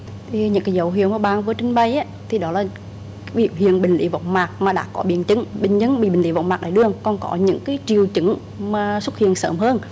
thì những cái dấu hiệu mà bạn vừa trình bày á thì đó là biểu hiện bệnh lý võng mạc mà đã có biến chứng bệnh nhân bị bệnh lý võng mạc đái đường còn có những cái triệu chứng mà xuất hiện sớm hơn